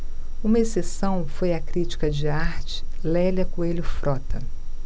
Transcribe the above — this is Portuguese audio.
uma exceção foi a crítica de arte lélia coelho frota